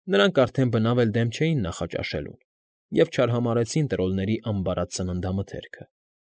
Նրանք արդեն բնավ էլ դեմ չէին նախաճաշելուն և չարհամարհեցին տրոլների ամբարած սննդամթերքը։